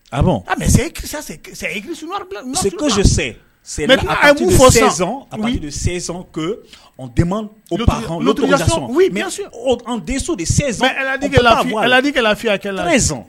Denmuso dedila lafiyaz